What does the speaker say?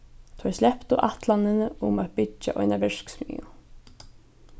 teir sleptu ætlanini um at byggja eina verksmiðju